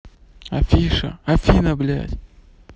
афиша афина блядь